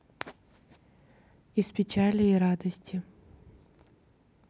из печали и радости